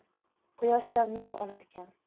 quyoshdan nur olarkan